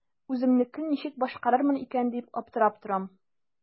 Үземнекен ничек башкарырмын икән дип аптырап торам.